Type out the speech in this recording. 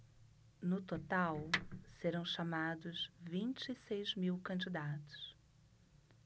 no total serão chamados vinte e seis mil candidatos